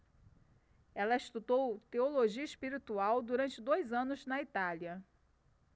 ela estudou teologia espiritual durante dois anos na itália